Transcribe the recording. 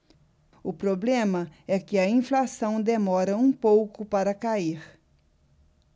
o problema é que a inflação demora um pouco para cair